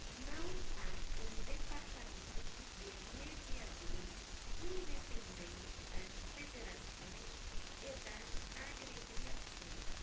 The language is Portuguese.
não há um departamento de mediadores independente das federações e das agremiações